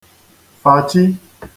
fàchi